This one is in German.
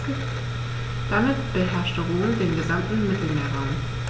Damit beherrschte Rom den gesamten Mittelmeerraum.